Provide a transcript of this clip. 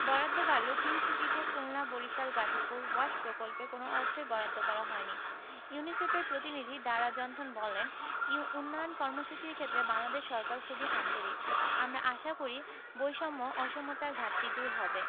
বরাদ্দ বাড়লেও তিন সিটিতে খুলনা বরিশাল গাজীপুর ওয়াশ প্রকল্পে কোনো অর্থই বরাদ্দ করা হয়নি ইউনিসেফের প্রতিনিধি ডারা জনথন বলেন ইউ উন্নয়ন কর্মসূচির ক্ষেত্রে বাংলাদেশ সরকার খুবই আন্তরিক আমরা আশা করি বৈষম্য অসমতার ঘাটতি দূর হবে